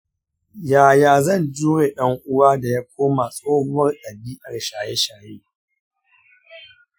yaya zan jure ɗan uwa da ya koma tsohuwar dabi'ar shaye-shaye?